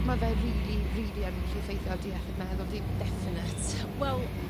...ma' fe rili rili yn gallu effeithio ar dy iechyd meddwl di. Definate, wel,